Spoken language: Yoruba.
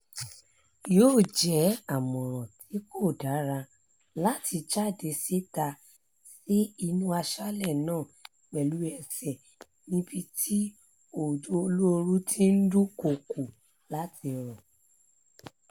Yóò jẹ́ àmọ̀ràn tí kò dára láti jáde síta sí inú aṣálẹ̀ náà pẹ̀lú ẹsẹ̀ níbi tí òjò olóoru tí ń dúnkóókò láti rọ̀.